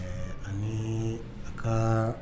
Ɛɛ ani a ka